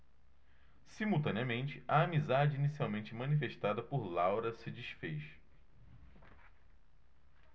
simultaneamente a amizade inicialmente manifestada por laura se disfez